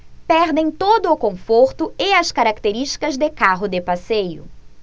perdem todo o conforto e as características de carro de passeio